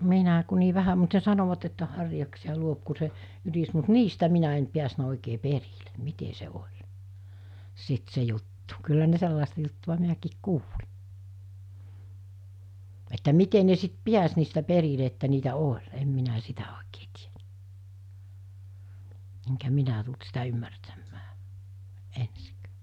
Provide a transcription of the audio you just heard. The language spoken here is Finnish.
minä kun niin vähän mutta ne sanoivat että harjaksia luo kun se ynisi mutta niistä minä en päässyt oikein perille miten se oli sitten se juttu kyllä ne sellaista juttua minäkin kuulin että miten ne sitten pääsi niistä perille että niitä oli en minä sitä oikein tiennyt enkä minä tullut sitä ymmärtämään ensinkään